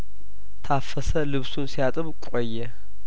ታፈሰ ልብሱን ሲያጥብ ቆየ